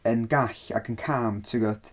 Yn gall ac yn calm, ti'n gwybod?